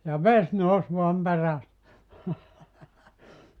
ja vesi nousi vain perässä